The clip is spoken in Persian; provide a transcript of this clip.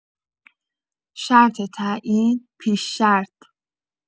شرط تعیین پیش‌شرط